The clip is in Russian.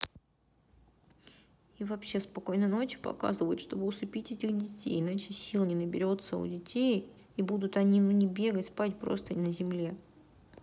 и вообще спокойной ночи показывают чтобы усыпить этих детей иначе сил не наберется у детей и будут они ну не бегать спать просто на земле